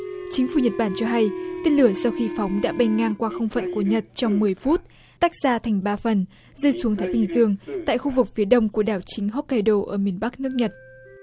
chính phủ nhật bản cho hay tên lửa sau khi phóng đã bay ngang qua không phận của nhật trong mười phút tách ra thành ba phần rơi xuống thái bình dương tại khu vực phía đông của đảo chính hốc cai đô ở miền bắc nước nhật